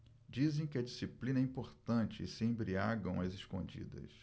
dizem que a disciplina é importante e se embriagam às escondidas